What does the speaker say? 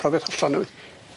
Profiad hollol newydd.